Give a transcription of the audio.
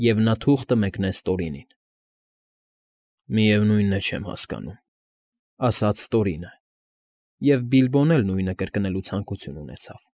Եվ նա թուղթը մեկնեց Տորինին։ ֊ Միևնույն է, չեմ հասկանում,֊ ասաց Տորինը, և Բիլբոն էլ նույնը կրկնելու ցանկություն ունեցավ։